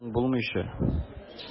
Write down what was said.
Соң, булмыйча!